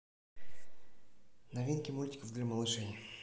новинки мультиков для малышей